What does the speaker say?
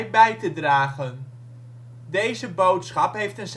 bij te dragen. Deze boodschap heeft een